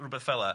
rwbeth fela.